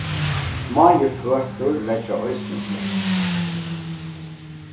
smáir føtur leggja eisini slóð